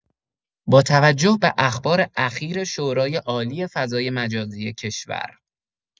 با توجه به اخبار اخیر شورای‌عالی فضای مجازی کشور